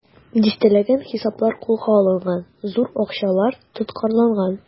Дистәләгән хисаплар кулга алынган, зур акчалар тоткарланган.